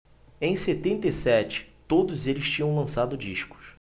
em setenta e sete todos eles tinham lançado discos